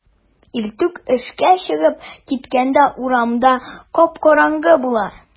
Иртүк эшкә чыгып киткәндә урамда кап-караңгы була.